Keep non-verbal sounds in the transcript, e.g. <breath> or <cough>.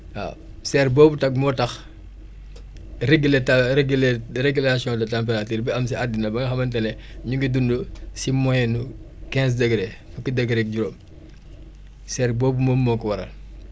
waaw serre boobu tam moo tax régulation de température bi am si addina ba nga xamante ne <breath> ñu ngi dund si moyenne nu quinze degré fukki dégré ak juróom serre boobu moom moo ko waral